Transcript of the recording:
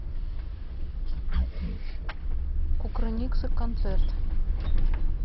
кукрыниксы концерт